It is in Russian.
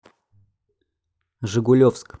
жигулевск